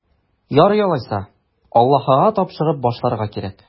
Ярый алайса, Аллаһыга тапшырып башларга кирәк.